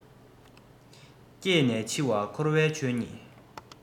སྐྱེས ནས འཆི བ འཁོར བའི ཆོས ཉིད